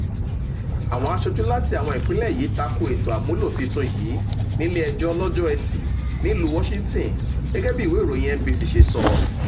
Àwọn aṣojú láti àwọn ìpínlẹ̀ yìí tako ètò àmúlò titun yìí nílé ẹjọ́ lọ́jọ́ Ẹtì nílùú Washington gẹ́gẹ́ bí NBC News ṣe sọ.